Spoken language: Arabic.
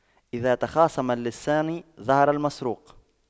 إذا تخاصم اللصان ظهر المسروق